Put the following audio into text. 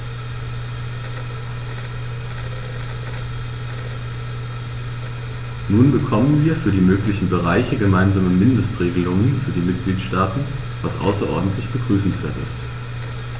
Nun bekommen wir für alle möglichen Bereiche gemeinsame Mindestregelungen für die Mitgliedstaaten, was außerordentlich begrüßenswert ist.